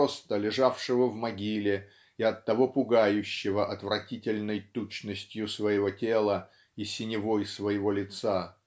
просто лежавшего в могиле и оттого пугающего отвратительной тучностью своего тела и синевой своего лица